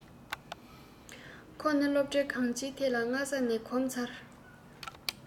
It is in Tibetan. ཁོ ནི སློབ གྲྭའི གང སྤྱིའི ཐད ལ སྔ ས ནས གོམ ཚར